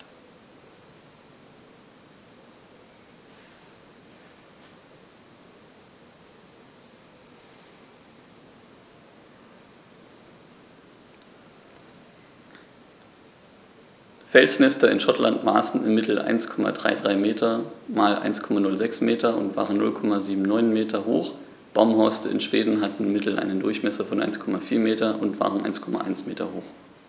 Felsnester in Schottland maßen im Mittel 1,33 m x 1,06 m und waren 0,79 m hoch, Baumhorste in Schweden hatten im Mittel einen Durchmesser von 1,4 m und waren 1,1 m hoch.